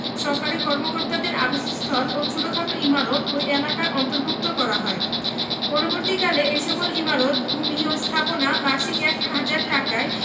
সরকারি কর্মকর্তাদের আবাসস্থল ও ছোটখাট ইমারত ওই এলাকার অন্তর্ভুক্ত করা হয় পরবর্তীকালে এ সকল ইমারত ভূমি ও স্থাপনা বার্ষিক এক হাজার টাকায়